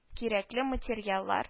Кирәкле материаллар